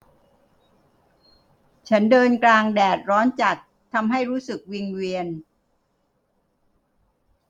ฉันเดินกลางแดดร้อนจัดทำให้รู้สึกวิงเวียน